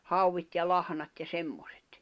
hauet ja lahnat ja semmoiset